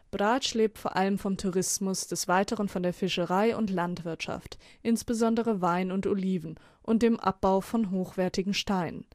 Brač lebt vor allem vom Tourismus, des Weiteren von der Fischerei und Landwirtschaft (insbesondere Wein und Oliven) und dem Abbau von hochwertigen Steinen